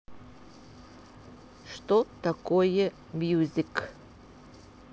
что такое music